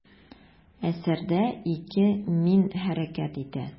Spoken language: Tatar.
Әсәрдә ике «мин» хәрәкәт итә.